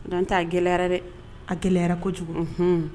Dɔn t ta gɛlɛyayara a gɛlɛyayara ko kojugu hun